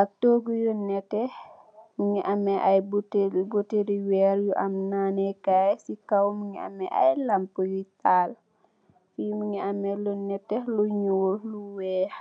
ak toogu yu nètè. Mungi ameh ay buteel, buteel li wèrr yu am nanèkaay ci kaw mungi ameh ay lamp yu taal. Fi mungi ameh lu nètè, lu ñuul, lu weeh.